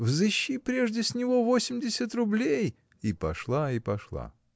Взыщи прежде с него восемьдесят рублей, — и пошла, и пошла!